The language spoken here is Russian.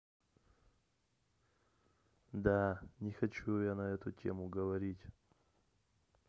да не хочу я на эту тему говорить